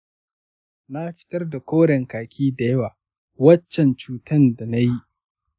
na fitar da koren kaki da yawa waccan cutar da na yi.